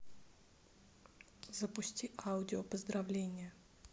запусти аудио поздравления